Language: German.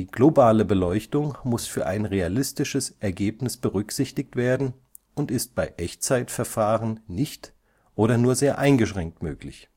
globale Beleuchtung muss für ein realistisches Ergebnis berücksichtigt werden und ist bei Echtzeitverfahren nicht oder nur sehr eingeschränkt möglich